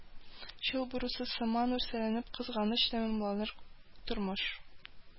Чүл бүресе сыман үрсәләнеп Кызганыч тәмамланыр тормыш